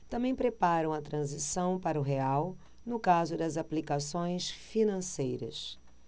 também preparam a transição para o real no caso das aplicações financeiras